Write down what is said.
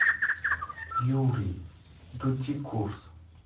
юрий дудь курск